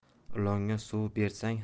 ilonga suv bersang